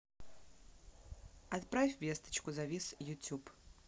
отправь весточку завис youtube